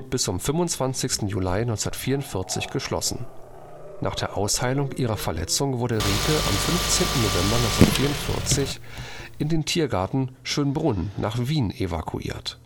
zum 25. Juli 1944 geschlossen. Nach der Ausheilung ihrer Verletzung wurde Rieke am 15. November 1944 in den Tiergarten Schönbrunn nach Wien evakuiert